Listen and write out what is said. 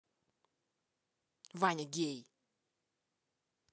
ваня гей